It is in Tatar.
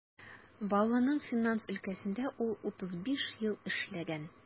Баулының финанс өлкәсендә ул 35 ел эшләгән.